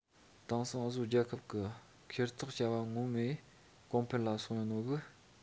དེང སང འུ བཟོ རྒྱལ ཁབ གི འཁེལ འཐག བྱ བ ངོ མས གོང འཕེལ ལ སོང ཡོད ནོ གིས